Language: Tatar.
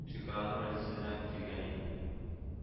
“шөкерана мәҗлесе”нә килгән иде